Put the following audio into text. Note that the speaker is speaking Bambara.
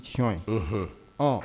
Tiɲɛ ye h